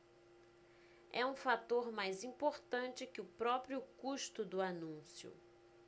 é um fator mais importante que o próprio custo do anúncio